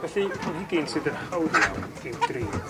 Felly planhigyn sydd yn hawdd iawn i'w drin.